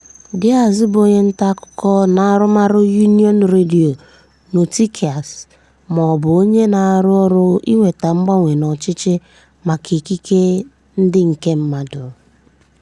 [Díaz] bụ onye nta akụkọ na-arụrụ Unión Radio Noticias ma ọ bụ onye na-arụ ọrụ iweta mgbanwe n'ọchịchị maka ikike ndị nke mmadụ.